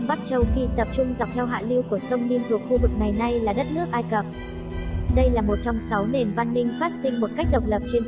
châu phi tập trung dọc theo hạ lưu của sông nile thuộc khu vực ngày nay là đất nước ai cập đây là một trong sáu nền văn minh phát sinh một cách độc lập trên thế giới